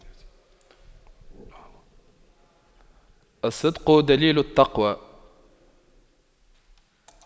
الصدق دليل التقوى